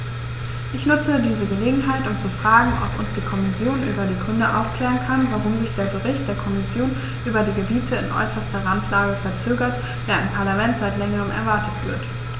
Ich nutze diese Gelegenheit, um zu fragen, ob uns die Kommission über die Gründe aufklären kann, warum sich der Bericht der Kommission über die Gebiete in äußerster Randlage verzögert, der im Parlament seit längerem erwartet wird.